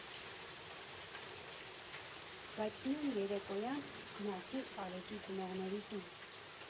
Բայց նույն երեկոյան գնացինք Արեգի ծնողների տուն։